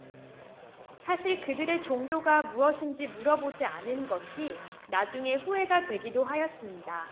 사실 그들의 종교가 무엇인지 물어보지 않은 것이 나중에 후회가 되기도 하였습니다